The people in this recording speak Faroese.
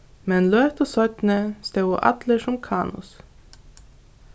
men løtu seinni stóðu allir sum kánus